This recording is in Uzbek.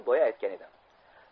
boya aytgan edim